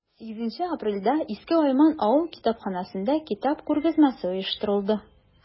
8 апрельдә иске айман авыл китапханәсендә китап күргәзмәсе оештырылды.